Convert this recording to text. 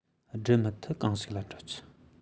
འགྲུབ མི ཐུབ གང ཞིག ལ འགྲོ རྒྱུ